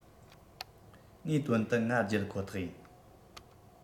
ངའི དོན དུ ང རྒྱལ ཁོ ཐག ཡིན